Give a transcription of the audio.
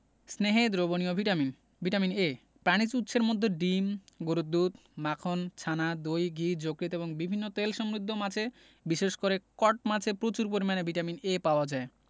স্নেহে দ্রবণীয় vitamin vitamin A প্রাণিজ উৎসের মধ্যে ডিম গরুর দুধ মাখন ছানা দই ঘি যকৃৎ ও বিভিন্ন তেলসমৃদ্ধ মাছে বিশেষ করে কট মাছে প্রচুর পরিমান ভিটামিন A পাওয়া যায়